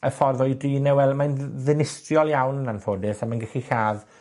y ffordd o'i drin e, wel mae'n dd- ddinistriol iawn, yn anffodus, a mae'n gallu lladd